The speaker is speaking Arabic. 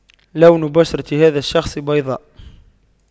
لون بشرة هذا الشخص بيضاء